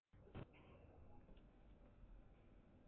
སྐྱ འདེབས ཀྱིས སྐུལ བཞིན མཆིས